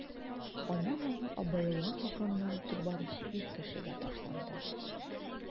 Аны-моны абайламый урамнан үтеп баручы ир кешегә ташланды...